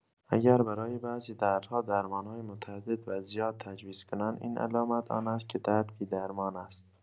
اگر برای بعضی دردها درمان‌های متعدد و زیاد تجویز کنند، این علامت آن است که درد بی‌درمان است.